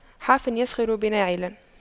حافٍ يسخر بناعل